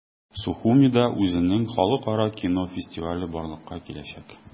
Сухумида үзенең халыкара кино фестивале барлыкка киләчәк.